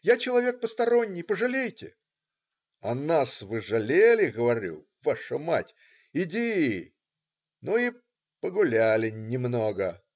Я человек посторонний, пожалейте. - А нас вы жалели, говорю. вашу мать?! Иди!. Ну и "погуляли" немного.